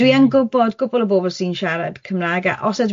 Dwi yn gwbod gwbwl o bobl sy'n siarad Cymraeg a os ydw i'n